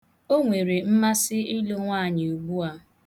O nwere mmasị ịlụ nwaanyị ugbua.